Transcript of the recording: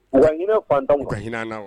A ka hina fantanw na u k'a hina na